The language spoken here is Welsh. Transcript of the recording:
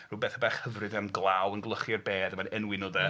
Rhyw bethau bach hyfryd am glaw yn gwlychu'r bedd a mae'n enwi nhw 'de.